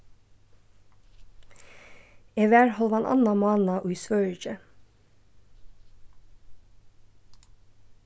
eg var hálvan annan mánað í svøríki